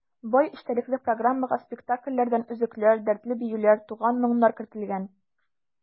Бай эчтәлекле программага спектакльләрдән өзекләр, дәртле биюләр, туган моңнар кертелгән.